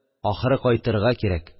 Ахры, кайтырга кирәк